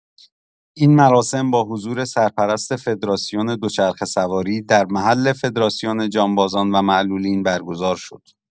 این مراسم با حضور سرپرست فدراسیون دوچرخه‌سواری، در محل فدراسون جانبازان و معلولین برگزار شد.